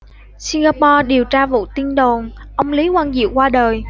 singapore điều tra vụ tin đồn ông lý quang diệu qua đời